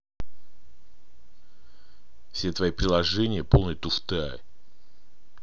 все твои приложение полная туфта